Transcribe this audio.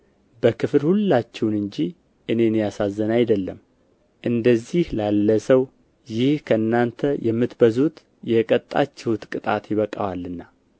በክፍል ሁላችሁን እንጂ እኔን ያሳዘነ አይደለም እንደዚህ ላለ ሰው ይህ ከእናንተ የምትበዙት የቀጣችሁት ቅጣት ይበቃዋልና